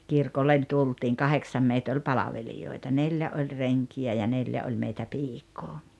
kirkolle tultiin kahdeksan meitä oli palvelijoita neljä oli renkiä ja neljä oli meitä piikaa